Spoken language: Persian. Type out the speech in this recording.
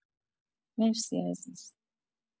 مرسی عزیز